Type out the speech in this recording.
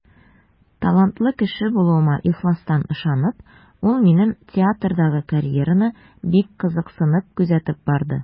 Талантлы кеше булуыма ихластан ышанып, ул минем театрдагы карьераны бик кызыксынып күзәтеп барды.